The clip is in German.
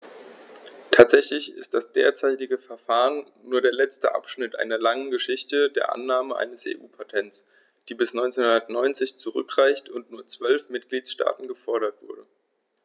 Tatsächlich ist das derzeitige Verfahren nur der letzte Abschnitt einer langen Geschichte der Annahme eines EU-Patents, die bis 1990 zurückreicht und nur von zwölf Mitgliedstaaten gefordert wurde.